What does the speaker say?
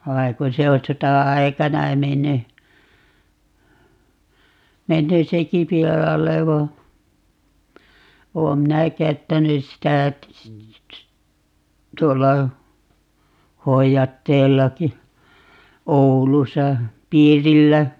vaan kun se on sota-aikana mennyt mennyt sekin pilalle vaan olen minä käyttänyt sitä tuolla hoidatteellakin Oulussa piirillä